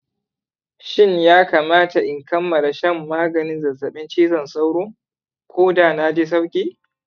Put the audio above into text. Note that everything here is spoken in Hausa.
shin ya kamata in kammala shan maganin zazzaɓin cizon sauro ko da na ji sauƙi